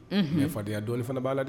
Unhun, mais fadenyay dɔɔnin fana b'a la dɛ